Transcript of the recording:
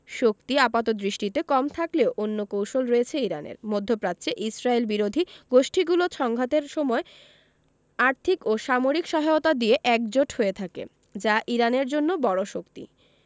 শক্তি আপাতদৃষ্টিতে কম থাকলেও অন্য কৌশল রয়েছে ইরানের মধ্যপ্রাচ্যে ইসরায়েলবিরোধী গোষ্ঠীগুলো সংঘাতের সময় আর্থিক ও সামরিক সহায়তা দিয়ে একজোট হয়ে থাকে যা ইরানের জন্য বড় শক্তি